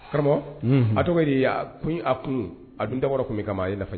Karamɔgɔ a tɔgɔ de kun a kun a dun dakɔrɔ tun min kama i nafa